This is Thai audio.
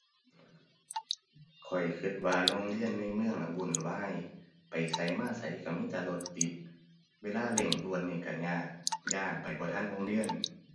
ข้อยคิดว่าโรงเรียนในเมืองน่ะวุ่นวาย ไปไสมาไสคิดมีแต่รถติด เวลาเร่งด่วนนี่คิดยาก ย้านไปบ่ทันโรงเรียน